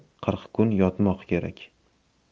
qirq kun yotmoq kerak